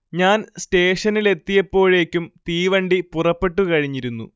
ഞാൻ സ്റ്റേഷനിലെത്തിയപ്പോഴേക്കും തീവണ്ടി പുറപ്പെട്ടു കഴിഞ്ഞിരുന്നു